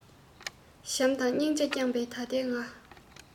བྱམས དང སྙིང རྗེས བསྐྱང པས ད ལྟའི ང